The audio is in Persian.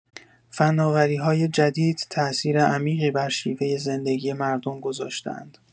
فناوری‌های جدید تاثیر عمیقی بر شیوه زندگی مردم گذاشته‌اند.